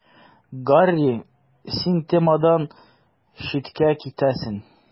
Гарри: Син темадан читкә китәсең.